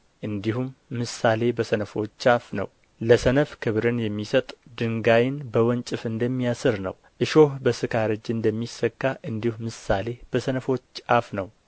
እንዲሁም ምሳሌ በሰነፎች አፍ ነው ለሰነፍ ክብርን የሚሰጥ ድንጋይን በወንጭፍ እንደሚያስር ነው እሾህ በስካር እጅ እንደሚሰካ እንዲሁ ምሳሌ በሰነፎች አፍ ነው